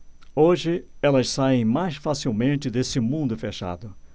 hoje elas saem mais facilmente desse mundo fechado